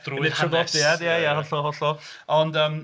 Drwy hanes... Yn y traddodiad ie, ie yn hollol, hollol ond ymm...